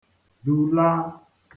dùla-